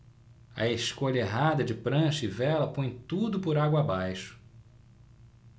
a escolha errada de prancha e vela põe tudo por água abaixo